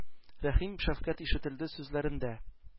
Рәхим, шәфкать ишетелде сүзләрендә.